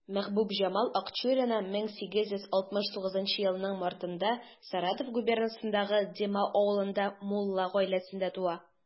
Мәхбүбҗамал Акчурина 1869 елның мартында Саратов губернасындагы Димау авылында мулла гаиләсендә туа.